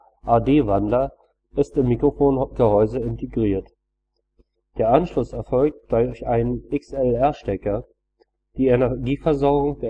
A/D-Wandler ist im Mikrofongehäuse integriert. Der Anschluss erfolgt durch einen XLR-Stecker, die Energieversorgung